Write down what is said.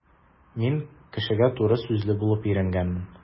Мин кешегә туры сүзле булып өйрәнгәнмен.